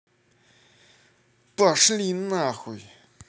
пошли на хуй